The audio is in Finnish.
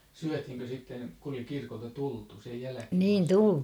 syötiinkö sitten kun oli kirkolta tultu sen jälkeen vasta